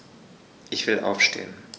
Ich will aufstehen.